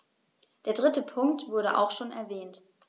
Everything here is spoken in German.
Der dritte Punkt wurde auch schon erwähnt.